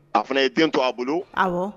A fana ye den to a bolo. Awɔ.